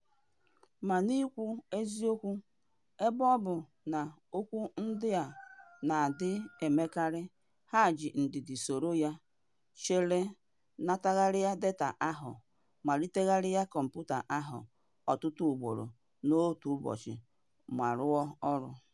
Ma n’ikwu eziokwu, ebe ọ bụ na okwu ndị a na-adị emekarị, ha ji ndidi soro ya, chere, natagharịa data ahụ, malitegharịa kọmputa ahụ ọtụtụ ugboro n’otu ụbọchị, ma rụọ ọrụ.